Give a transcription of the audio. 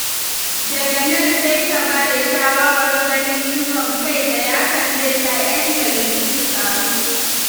Daga nan sai ta ba da shawarar ganinTrump kai tsaye hakan zai sa ‘yan jarida su karu.